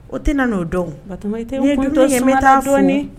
O tɛ'o dɔn bɛ taa fooni